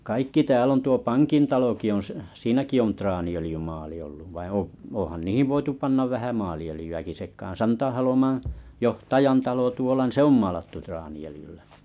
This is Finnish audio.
kaikki täällä on tuo pankin talokin on -- siinäkin on traaniöljymaali ollut vaan - onhan niihin voitu panna vähän maaliöljyäkin sekaan Santaholman johtajan talo tuolla niin se on maalattu traaniöljyllä